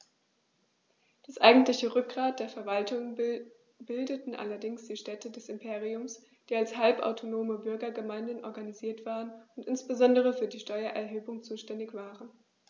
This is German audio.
Das eigentliche Rückgrat der Verwaltung bildeten allerdings die Städte des Imperiums, die als halbautonome Bürgergemeinden organisiert waren und insbesondere für die Steuererhebung zuständig waren.